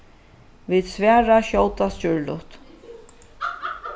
vit svara skjótast gjørligt